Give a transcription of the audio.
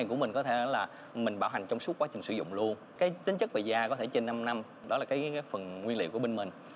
của mình có thể là mình bảo hành trong suốt quá trình sử dụng luôn cái tính chất về da có thể trên năm năm đó là cái phần nguyên liệu của bên mình